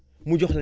mu jox la